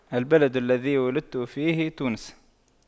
البلد الذي ولدت فيه تونس